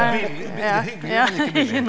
billig hyggelig men ikke billig.